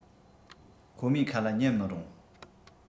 ཁོ མོའི ཁ ལ ཉན མི རུང